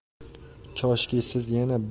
koshki siz yana